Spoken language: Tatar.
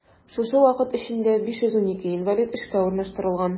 Шушы вакыт эчендә 512 инвалид эшкә урнаштырылган.